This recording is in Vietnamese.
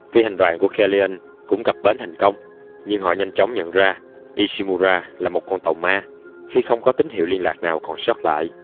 phi hành đoàn của kellion cũng cập bến thành công nhưng họ nhanh chóng nhận ra ishimura là một con tàu ma khi không có tín hiệu liên lạc nào còn sót lại